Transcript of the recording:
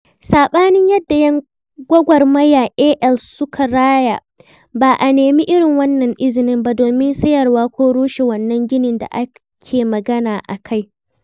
Saɓanin yadda 'yan gwagwarmayar AL suka raya, ba a nemi irin wannan izinin ba domin sayarwa ko rushe wannan ginin da ake magana a kai.